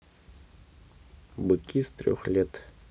быки с трех лет